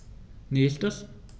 Nächstes.